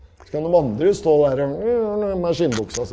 så kan dem andre stå der med skinnbuksa si.